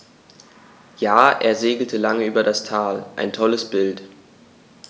Ja, er segelte lange über das Tal. Ein tolles Bild!